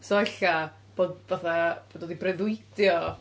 So, ella bod, fatha, bod o 'di breuddwydio...